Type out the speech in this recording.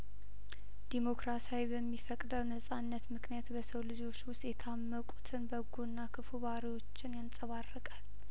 ዴሞክራሳዊ በሚፈቅደው ነጻነት ምክንያት በሰው ልጆች ውስጥ የታመቁትን በጐና ክፉ ባህርዮችን ያንጸባርቃል